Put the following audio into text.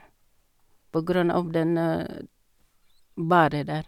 På grunn av den været der.